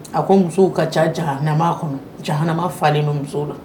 A ko musow ka ca jahanama kɔnɔ, jahanama falen bɛ muso la.